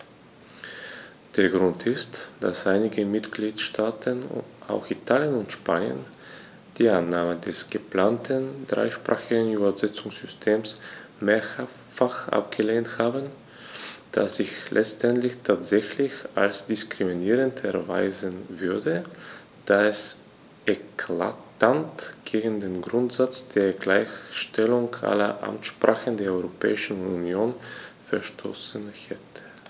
Der Grund ist, dass einige Mitgliedstaaten - auch Italien und Spanien - die Annahme des geplanten dreisprachigen Übersetzungssystems mehrfach abgelehnt haben, das sich letztendlich tatsächlich als diskriminierend erweisen würde, da es eklatant gegen den Grundsatz der Gleichstellung aller Amtssprachen der Europäischen Union verstoßen hätte.